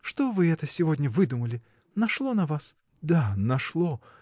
— Что вы это сегодня выдумали! Нашло на вас?. — Да, нашло.